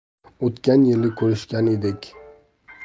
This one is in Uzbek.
o'tgan yili ko'rishgan edik